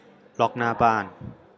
ล็อคหน้าบ้าน